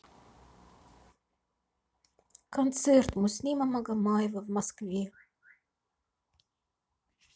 концерт муслима магомаева в москве